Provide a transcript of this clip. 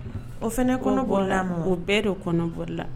O fana kɔnɔbɔ la o bɛɛ de kɔnɔbɔ la